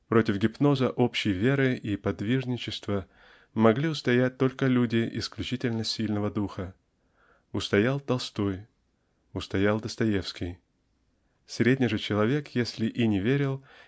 Против гипноза общей веры и подвижничества могли устоять только люди исключительно сильного духа. Устоял Толстой устоял Достоевский средний же человек если и не верил